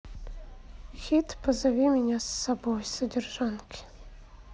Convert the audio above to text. хит позови меня с собой содержанки